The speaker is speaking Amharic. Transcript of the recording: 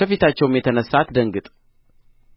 ከፊታቸውም የተነሣ አትደንግጥ